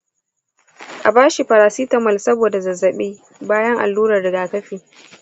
a bashi paracetamol saboda zazzabi bayan allurar rigakafi.